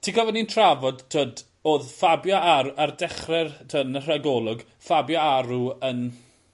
ti'n cofio ni'n trafod t'wod o'dd Fabio Ar- ar dechre'r t'wod yn y rhagolwg Fabio Aru yn